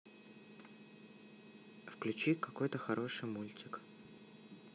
включи какой то хороший мультик